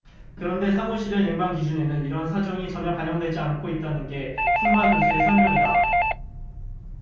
그런데 사무실의 냉방기준에는 이런 사정이 전혀 반영되지 않고 있다는 게 킹마 교수의 설명이다